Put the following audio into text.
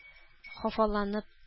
Хафаланып